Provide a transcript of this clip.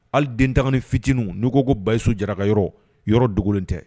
Hali den taamani fitininw n'u ko ko Bayisu jara ka yɔrɔ, yɔrɔ dogolen tɛ.